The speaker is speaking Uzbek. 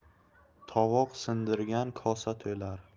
tovoq sindirgan kosa to'lar